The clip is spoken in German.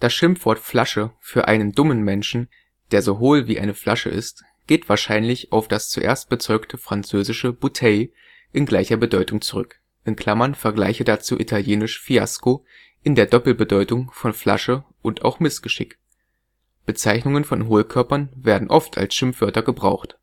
Schimpfwort „ Flasche “für einen dummen Menschen (der so „ hohl wie eine Flasche “ist) geht wahrscheinlich auf das zuerst bezeugte französische Bouteille in gleicher Bedeutung zurück (vergleiche dazu italienisch „ fiasko “in der Doppelbedeutung von Flasche und auch Missgeschick). Bezeichnungen von Hohlkörpern werden oft als Schimpfwörter gebraucht